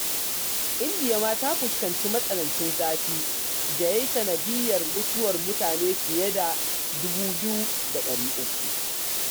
India ma ta fuskanci matsanancin zafi da ya yi sanadiyyar mutuwar mutane fiye da 2,300.